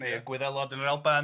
neu y Gwyddelod yn yr Alban.